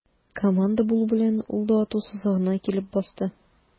Команда булу белән, ул да ату сызыгына килеп басты.